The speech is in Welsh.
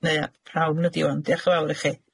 Neu yy pr'awn ydi ŵan. Dioch yn fawr i chi.